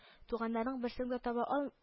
— туганнарның берсең дә таба ал